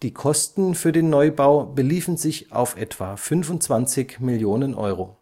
Kosten für den Neubau beliefen sich auf etwa 25 Millionen Euro